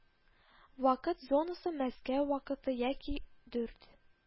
Вакыт зонасы Мәскәү вакыты яки дүрт